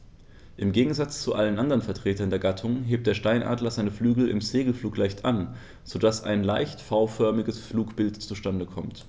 Im Gegensatz zu allen anderen Vertretern der Gattung hebt der Steinadler seine Flügel im Segelflug leicht an, so dass ein leicht V-förmiges Flugbild zustande kommt.